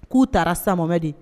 K'u taara samɛ de